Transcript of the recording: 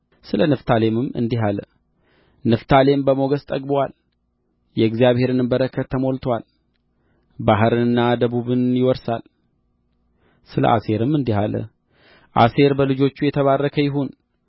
ስለ ንፍታሌምም እንዲህ አለ ንፍታሌም በሞገስ ጠግቦአል የእግዚአብሔርንም በረከት ተሞልቶአል ባሕሩንና ደቡቡን ይወርሳል ስለ አሴርም እንዲህ አለ አሴር በልጆች የተባረከ ይሁን